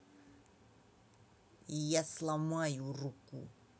я сломаю руку